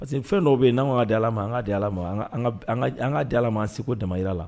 Parce que fɛn dɔw bɛ yen n'an ka di ma an ka di ma an ka di ma an segu dama jira la